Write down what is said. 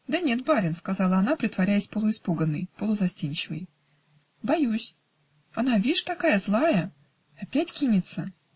"Да нет, барин, -- сказала она, притворяясь полуиспуганной, полузастенчивой, -- боюсь: она, вишь, такая злая опять кинется".